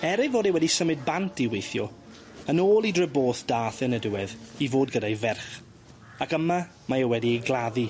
Er ei fod e wedi symud bant i weithio yn ôl i Dryborth dath e yn y diwedd i fod gyda'i ferch ac yma mae e wedi ei gladdu.